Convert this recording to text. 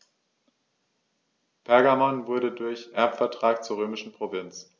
Pergamon wurde durch Erbvertrag zur römischen Provinz.